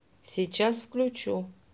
сейчас включу